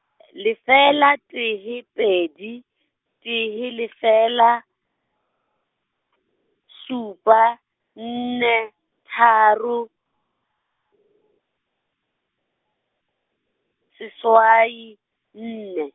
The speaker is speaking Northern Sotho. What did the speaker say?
lefela tee pedi, tee lefela, šupa, nne, tharo, seswai, nne.